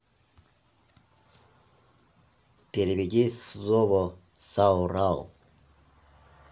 переведи слово заорал